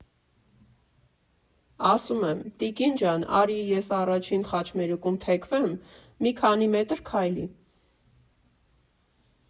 Ասում եմ՝ տիկին ջան, արի էս առաջին խաչմերուկում թեքվեմ՝ մի քանի մետր քայլի։